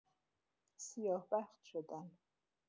سیاه‌بخت شدن